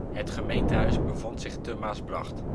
Het gemeentehuis bevond zich te Maasbracht